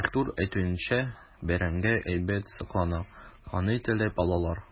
Артур әйтүенчә, бәрәңге әйбәт саклана, аны теләп алалар.